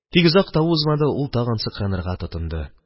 Тик озак та узмады, ул тагын сыкранырга тотынды